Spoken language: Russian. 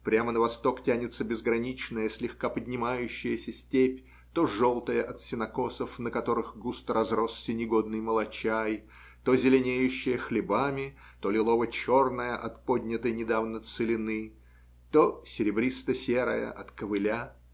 Прямо на восток тянется безграничная, слегка поднимающаяся степь, то желтая от сенокосов, на которых густо разросся негодный молочай, то зеленеющая хлебами, то лилово-черная от поднятой недавно целины, то серебристо-серая от ковыля.